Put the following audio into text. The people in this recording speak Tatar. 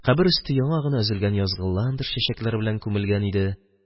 Кабер өсте яңа гына өзелгән язгы ландыш чәчәкләре белән күмелгән иде.